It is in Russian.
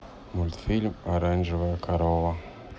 мультфильм оранжевая корова